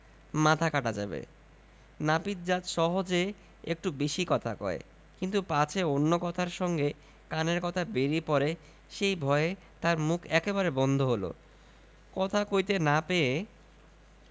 মাথা কাটা যাবে নাপিত জাত সহজে একটু বেশী কথা কয় কিন্তু পাছে অন্য কথার সঙ্গে কানের কথা বেরিয়ে পড়ে সেই ভয়ে তার মুখ একেবারে বন্ধ হল কথা কইতে না পেয়ে